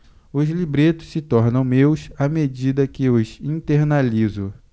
os libretos se tornam meus à medida que os internalizo